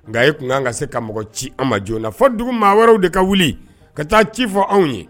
Nka a e kun kan ka se ka mɔgɔ ci ma joona na fɔ dugu maa wɛrɛw de ka wuli ka taa ci fɔ anw ye